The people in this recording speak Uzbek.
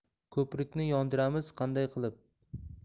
ko'prikni yondiramiz qanday qilib